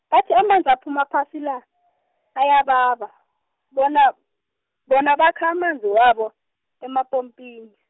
bathi amanzi aphuma phasi la , ayababa bona, bona bakha amanzi wabo, ema epompini.